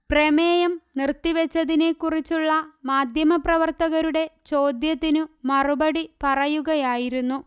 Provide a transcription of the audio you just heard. പ്രമേയം നിർത്തിവച്ചതിനെ കുറിച്ചുള്ള മാധ്യമപ്രവർത്തകരുടെ ചോദ്യത്തിനു മറുപടി പറയുകയായിരുന്നു